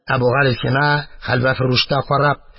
Әбүгалисина, хәлвәфрүшкә карап: